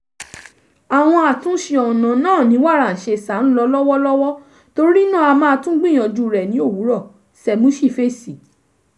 "Àwọn àtúnṣe ọ̀nà ní wàràǹsesà ń lọ lọ́wọ́lọ́wọ́ torí náà a máa tún gbìyànjú rẹ̀ ní òwúrọ̀."Cemuschi fèsì.